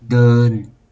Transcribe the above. เดิน